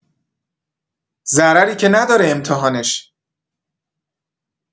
ضرری که نداره امتحانش!